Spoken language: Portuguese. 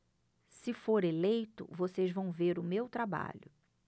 se for eleito vocês vão ver o meu trabalho